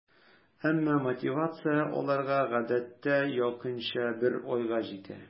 Әмма мотивация аларга гадәттә якынча бер айга җитә.